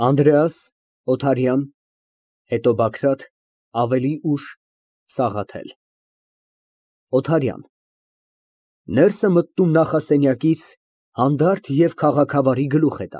ԱՆԴՐԵԱՍ, ՕԹԱՐՅԱՆ, հետո ԲԱԳՐԱՏ, ավելի ուշ՝ ՍԱՂԱԹԵԼ ՕԹԱՐՅԱՆ ֊ (Ներս է մտնում նախասենյակից, հանդարտ և քաղաքավարի գլուխ է։